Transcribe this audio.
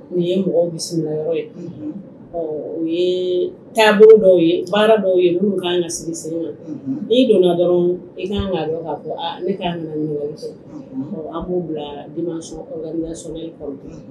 Nin ye mɔgɔ bisimila yɔrɔ ye ye taabolo dɔw ye baara dɔw ye k' ka sigi sen ma n donna dɔrɔn i ka kan ka dɔn ka fɔ ne k'a na ni cɛ a b'o bila ma sɔn sɔrɔ i